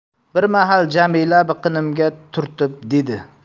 bir mahal jamila biqinimga turtib dedi